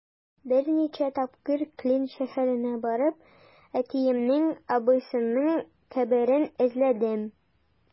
Берничә тапкыр Клин шәһәренә барып, әтиемнең абыйсының каберен эзләдем.